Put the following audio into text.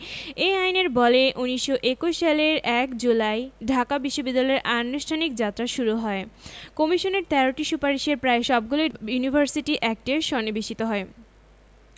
এ আইনের বলে ১৯২১ সালের ১ জুলাই ঢাকা বিশ্ববিদ্যালয়ের আনুষ্ঠানিক যাত্রা শুরু হয় কমিশনের ১৩টি সুপারিশের প্রায় সবগুলিই ঢাকা ইউনিভার্সিটি অ্যাক্টে সন্নিবেশিত হয়